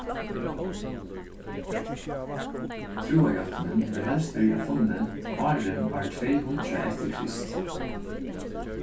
trúarjáttanin hevur helst verið at funnið áðrenn ár tvey hundrað eftir krist